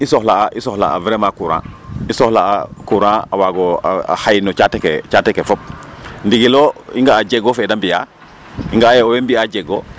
I soxla'a, i soxla'a vraiment courant i soxla'a courant i soxla courant a waago xayma caate ke fop ndigil o i nga'a jeego fe da mbi'aa ,i nga'a ye o mbay mbi'aa jeego.